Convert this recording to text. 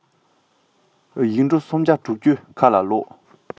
ཡེ འབྲོག སུམ བརྒྱ དྲུག ཅུའི ཁ ལ བཟློག